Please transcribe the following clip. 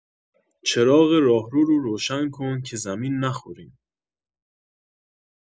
چراغ راهرو رو روشن کن که زمین نخوریم